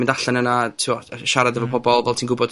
mynd allan yna a t'mo, siarad efo pobol. Fel ti'n gwbod...